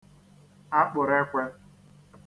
akpụ̀rụekwe